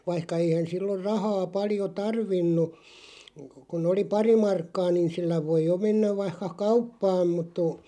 vaikka eihän silloin rahaa paljon tarvinnut kun oli pari markkaa niin sillä voi jo mennä vaikka kauppaan mutta -